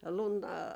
lunta